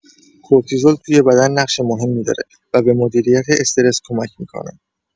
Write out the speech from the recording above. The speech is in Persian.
کورتیزول توی بدن نقش مهمی داره و به مدیریت استرس کمک می‌کنه.